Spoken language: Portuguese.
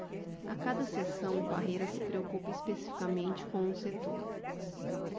a cada sessão parreira se preocupa especificamente com um setor